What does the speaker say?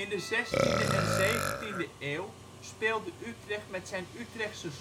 de zestiende en zeventiende eeuw speelde Utrecht met zijn Utrechtse